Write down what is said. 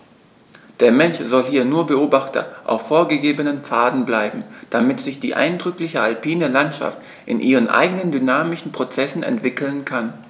Der Mensch soll hier nur Beobachter auf vorgegebenen Pfaden bleiben, damit sich die eindrückliche alpine Landschaft in ihren eigenen dynamischen Prozessen entwickeln kann.